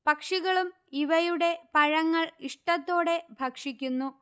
പക്ഷികളും ഇവയുടെ പഴങ്ങൾ ഇഷ്ടത്തോടെ ഭക്ഷിക്കുന്നു